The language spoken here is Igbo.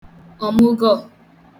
ọ̀mụgọ̄